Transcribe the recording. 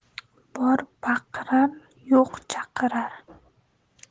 bor baqirar yo'q chaqirar